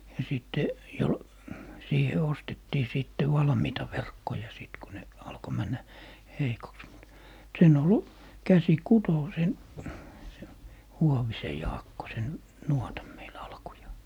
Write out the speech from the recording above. ja sitten - siihen ostettiin sitten valmiita verkkoja sitten kun ne alkoi mennä heikoksi mutta sen oli käsin kutoi sen se Huovisen Jaakko sen nuotan meille alkujaan